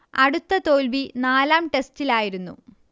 അടുത്ത തോൽവി നാലാം ടെസ്റ്റിലായിരുന്നു